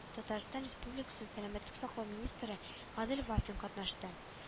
ТР сәламәтлек саклау министры Гадел Вафин катнашты